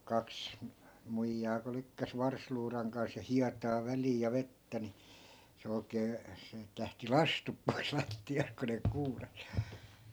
kaksi muijaa kun lykkäsi varsiluudan kanssa ja hietaa väliin ja vettä niin se oikein siitä lähti lastut pois lattiasta kun ne kuurasi